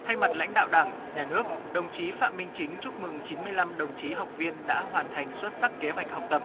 thay mặt lãnh đạo đảng nhà nước đồng chí phạm minh chính chúc mừng chín mươi lăm đồng chí học viên đã hoàn thành xuất sắc kế hoạch học tập